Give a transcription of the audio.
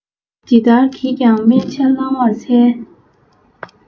ཇི ལྟར བགྱིས ཀྱང དམན ཆ བླང བར འཚལ